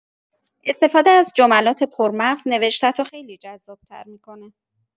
استفاده از جملات پرمغز نوشته‌ت رو خیلی جذاب‌تر می‌کنه.